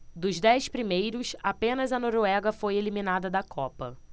dos dez primeiros apenas a noruega foi eliminada da copa